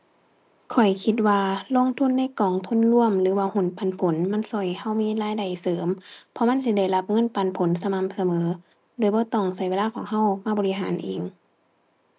ข้อยคิดว่าลงทุนในกองทุนรวมหรือว่าหุ้นปันผล มันช่วยให้ช่วยมีรายได้เสริม เพราะมันสิได้รับเงินปันผลสม่ำเสมอ โดยบ่ต้องช่วยเวลาของช่วยมาบริหารเอง